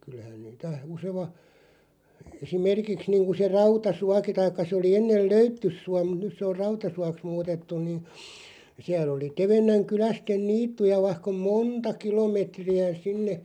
kyllähän niitä usein esimerkiksi niin kuin se Rautasuokin tai se oli ennen Löyttysuo mutta nyt se on Rautasuoksi muutettu niin siellä oli Tevennän kyläisten niittyjä vaikka on monta kilometriä sinne